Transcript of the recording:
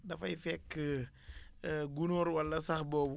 dafay fekk gunóor wala sax boobu